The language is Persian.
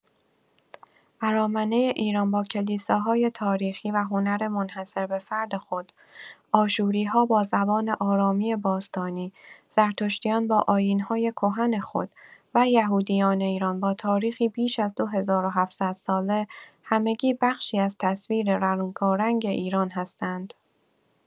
ارامنه ایران با کلیساهای تاریخی و هنر منحصربه‌فرد خود، آشوری‌ها با زبان آرامی باستانی، زرتشتیان با آیین‌های کهن خود و یهودیان ایران با تاریخی بیش از ۲۷۰۰ ساله، همگی بخشی از تصویر رنگارنگ ایران هستند.